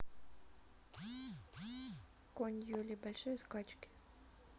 конь юлий большие скачки